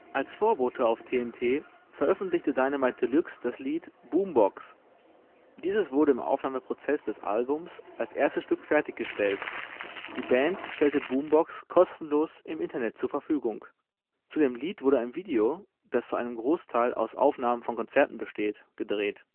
Als Vorbote auf TNT, veröffentlichte Dynamite Deluxe das Lied Boombox. Dieses wurde im Aufnahmeprozess des Albums als erstes Stück fertiggestellt. Die Band stellte Boombox kostenlos im Internet zur Verfügung. Zu dem Lied wurde ein Video, das zu einem Großteil aus Aufnahmen von Konzerten besteht, gedreht